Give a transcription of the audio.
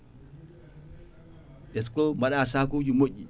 est ce que mbaɗa sakuji moƴƴi